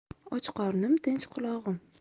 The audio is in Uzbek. och qornim tinch qulog'im